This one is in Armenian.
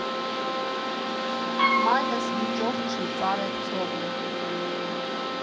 Մայրս վիճող չի, կարեկցող է։